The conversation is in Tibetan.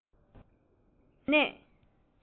ས ཡི གོ ལ འདིའི ཐོག གནས